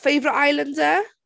Favourite Islander?